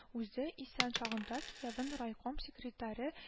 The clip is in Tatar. Үзе исән чагында киявен райком секретаре